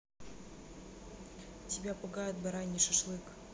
тебя пугает бараний шашлык